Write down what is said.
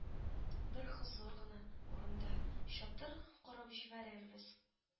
Бер хозур гына урында чатыр корып җибәрербез